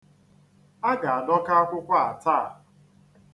A ga-adọka akwụkwọ a taa.